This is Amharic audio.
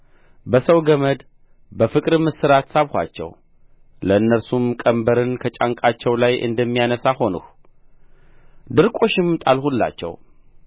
በሰው ገመድ በፍቅርም እስራት ሳብኋቸው ለእነርሱም ቀምበርን ከጫንቃቸው ላይ እንደሚያነሣ ሆንሁ ድርቆሽም ጣልሁላቸው